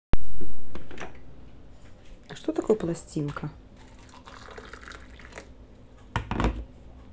что такое пластинка